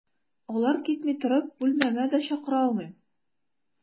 Алар китми торып, бүлмәмә дә чакыра алмыйм.